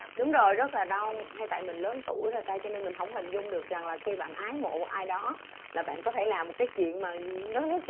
đúng rồi rất là đông hay tại mình lớn tuổi rồi ta cho nên mình hông hình dung được rằng là khi bạn ái mộ một ai đó là bạn có thể làm một cái chuyện mà nó rất là